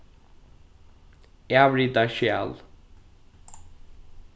avrita skjal